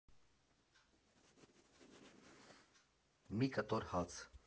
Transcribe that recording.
Մի կտոր հաց։